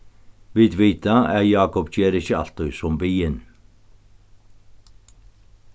vit vita at jákup ger ikki altíð sum biðin